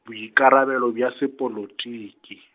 boikarabelo bja sepolotiki.